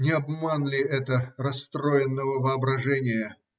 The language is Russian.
Не обман ли это расстроенного воображения?